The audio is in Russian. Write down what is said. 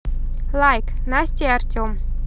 лайк настя и артем